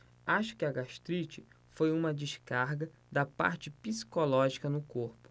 acho que a gastrite foi uma descarga da parte psicológica no corpo